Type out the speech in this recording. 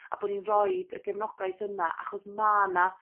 A bo ni'n roid y gefnogaeth yna achos ma' 'na